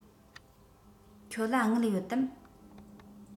ཁྱོད ལ དངུལ ཡོད དམ